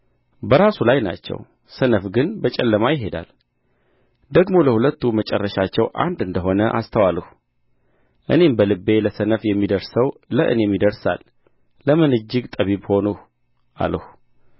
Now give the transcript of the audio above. በራሱ ላይ ናቸው ሰነፍ ግን በጨለማ ይሄዳል ደግሞ ለሁለቱ መጨረሻቸው አንድ እንደ ሆነ አስተዋልሁ እኔም በልቤ ለሰነፍ የሚደርሰው ለእኔም ይደርሳል ለምን እጅግ ጠቢብ ሆንሁ አልሁ